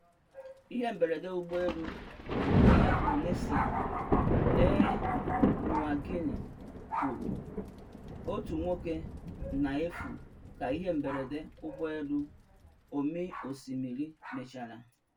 Ihe mberede ụgbọ elu Micronesia: Air Niugini kwụrụ otu nwoke na efu ka ihe mberede ụgbọ elu ọmi osimiri mechara